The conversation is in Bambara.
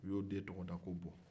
u y'o den tɔgɔda ko buwɔ